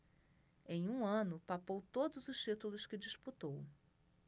em um ano papou todos os títulos que disputou